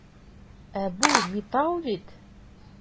Ә бу металл бит!